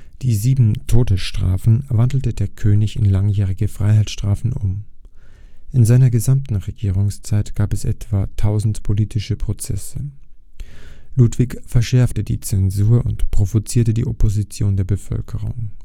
Die sieben Todesstrafen wandelte der König in langjährige Freiheitsstrafen um. In seiner gesamten Regierungszeit gab es etwa 1000 politische Prozesse. Ludwig verschärfte die Zensur und provozierte die Opposition der Bevölkerung